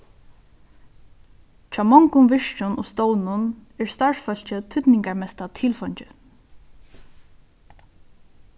hjá mongum virkjum og stovnum er starvsfólkið týdningarmesta tilfeingið